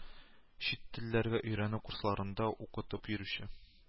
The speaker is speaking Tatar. Чит телләргә өйрәнү курсларында укытып йөрүче